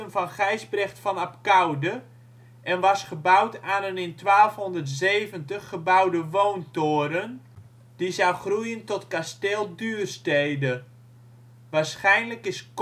van Gijsbrecht van Abcoude en was gebouwd aan een in 1270 gebouwde woontoren die zou groeien tot kasteel Duurstede. Waarschijnlijk is